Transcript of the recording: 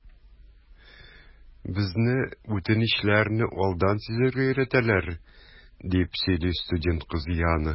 Безне үтенечләрне алдан сизәргә өйрәтәләр, - дип сөйли студент кыз Яна.